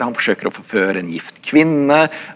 han forsøker å forføre en gift kvinne.